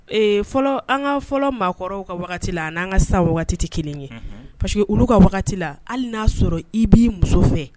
Ee fɔlɔ an ka fɔlɔ maakɔrɔw ka wagati la o n'an ka sisan wagati tɛ kelen ye parce que , olu ka wagati la hali n'a y'a sɔrɔ i b'i muso fɛ